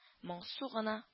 Моңсу гына